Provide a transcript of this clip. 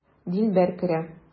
Дилбәр керә.